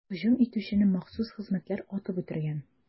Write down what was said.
Һөҗүм итүчене махсус хезмәтләр атып үтергән.